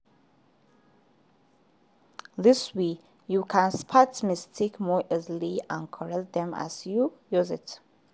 This way, you can spot mistakes more easily and correct them as you use it.